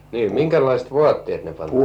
niin minkälaiset vaatteet ne pantiin